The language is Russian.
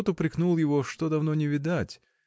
Тот упрекнул его: что давно не видать?